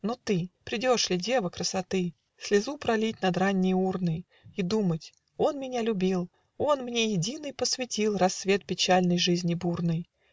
но ты Придешь ли, дева красоты, Слезу пролить над ранней урной И думать: он меня любил, Он мне единой посвятил Рассвет печальный жизни бурной!.